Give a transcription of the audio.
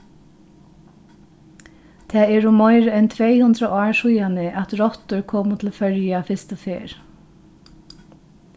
tað eru meir enn tvey hundrað ár síðani at rottur komu til føroya fyrstu ferð